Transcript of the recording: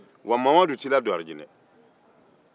wa mamadu t'i ladon alijinɛ